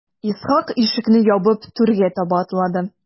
Исхак ишекне ябып түргә таба атлады.